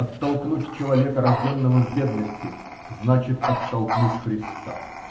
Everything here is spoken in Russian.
Оттолкнуть человека, рожденного в бедности, значит оттолкнуть Христа.